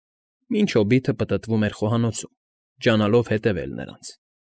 Մինչ հոբիտը պտտվում էր խոհանոցում, ջանալով հետևել նրանց։